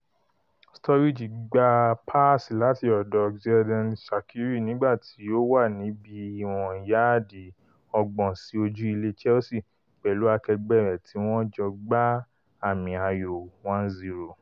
Sturridge gba páàsì láti ọ̀dọ̀ Xherdan Shakiri nígbà tí ó wà ní bíi ìwọ̀n yáàdì ọgbọ̀n sí ojú ilé Chelsea pẹ̀lú akẹgbẹ́ rẹ̀ tí wọ́n jọ́ gbá àmì ayò 1-0.